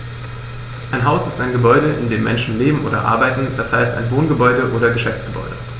Ein Haus ist ein Gebäude, in dem Menschen leben oder arbeiten, d. h. ein Wohngebäude oder Geschäftsgebäude.